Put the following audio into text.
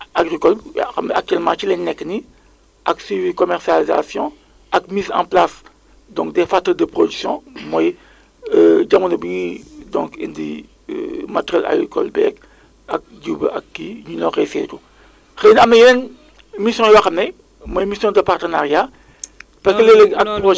ren jii bon effectivement bon gis nañ ni ak taw yu bëri yi amuñu deficit parce que bu ñu defee comparaison par rapport à la normale on voit que la situation ci côté boobu donc elle est normale mais ba tey par rapport ak yeneen localités yi on voit que quantité bi foofu encore dafa tuuti quoi par rapport ak li nga xamante ne bi moom la am moom la ñu am ci * kii léegi nag énun bon am na ay jàngat yi nga xamante ne ñu ngi ko ciy def